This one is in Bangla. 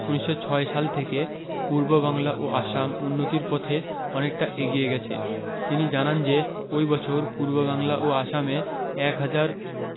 ১৯০৬ সাল থেকে পূর্ববাংলা ও আসাম উন্নতির পথে অনেকটা এগিয়ে গেছে তিনি জানান যে ওই বছর পূর্ববাংলা ও আসামে ১ হাজার